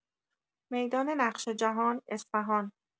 میدان نقش جهان، اصفهان